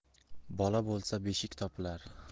bola bo'lsa beshik topilar